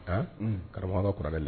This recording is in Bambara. Aa karamɔgɔ ka kura la